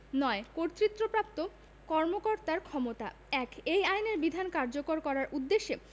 ৯ কর্তৃত্বপ্রাপ্ত কর্মকর্তার ক্ষমতাঃ ১ এই আইনের বিধান কার্যকর করার উদ্দেশ্যে